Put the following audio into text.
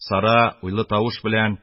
Сара уйлы тавыш белән: -